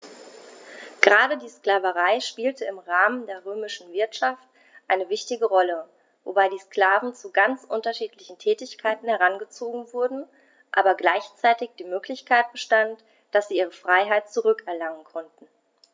Gerade die Sklaverei spielte im Rahmen der römischen Wirtschaft eine wichtige Rolle, wobei die Sklaven zu ganz unterschiedlichen Tätigkeiten herangezogen wurden, aber gleichzeitig die Möglichkeit bestand, dass sie ihre Freiheit zurück erlangen konnten.